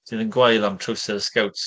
Sydd yn gwael am trowsys Scouts.